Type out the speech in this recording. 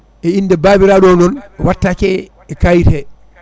e inde babiraɗo o noon wattake e kayit he